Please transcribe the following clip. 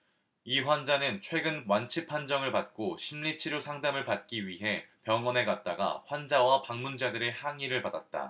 이 환자는 최근 완치 판정을 받고 심리 치료 상담을 받기 위해 병원에 갔다가 환자와 방문자들의 항의를 받았다